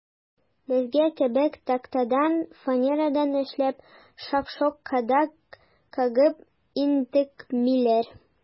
Бездәге кебек тактадан, фанерадан эшләп, шак-шок кадак кагып интекмиләр.